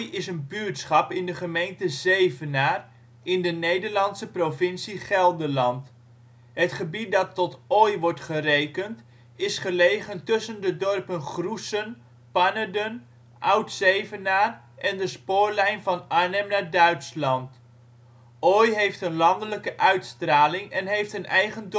is een buurtschap in de gemeente Zevenaar, in de Nederlandse provincie Gelderland. Het gebied dat tot Ooij wordt gerekend, is gelegen tussen de dorpen Groessen, Pannerden, Oud Zevenaar en de spoorlijn van Arnhem naar Duitsland. Ooij heeft een landelijke uitstraling en heeft een eigen dorpscultuur